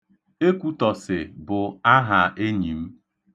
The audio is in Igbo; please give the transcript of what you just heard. Ekwutọsị bụ aha enyi m.